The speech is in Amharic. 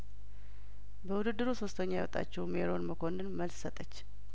በውድድሩ ሶስተኛ የወጣችው ሜሮን መኮንን መልስ ሰጠች